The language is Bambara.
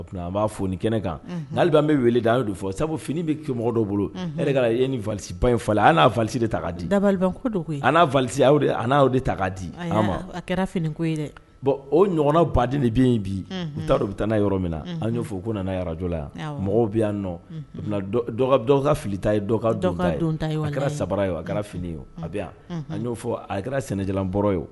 O tuma an b'a foni kɛnɛ kan n'alebi an bɛ wele da an don fɔ sabu fini bɛ kɛ mɔgɔw dɔ bolo e e ni vali ba in falen an n'a vali de ta k' di da an n'a vali an n' de ta'a di a kɛra finiko ye dɛ bɔn o ɲɔgɔnna baden ni bɛ bi u t taaa dɔn u bɛ taa n'a yɔrɔ min na an'o fɔ u ko nana arajɔ yan mɔgɔw bɛ yan nɔ fili ta ye a kɛra sabara ye a kɛra fini ye a bɛ yan a'o fɔ a kɛra sɛnɛja bɔra ye